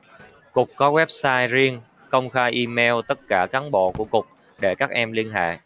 cục có website riêng công khai email tất cả cán bộ của cục để các em liên hệ